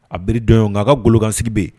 A bi dɔn nka a ka golokansigi bɛ yen